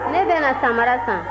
ne bɛna sabara san